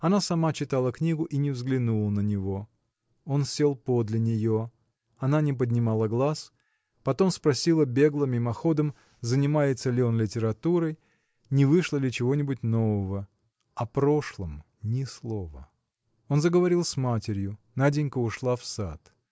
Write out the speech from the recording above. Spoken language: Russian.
Она сама читала книгу и не взглянула на него. Он сел подле нее. Она не поднимала глаз потом спросила бегло мимоходом занимается ли он литературой не вышло ли чего-нибудь нового? О прошлом ни слова. Он заговорил с матерью. Наденька ушла в сад.